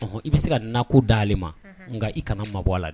I bɛ se ka nako d'ale ma, nka i kana mabɔ a la